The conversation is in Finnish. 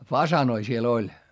fasaaneja siellä oli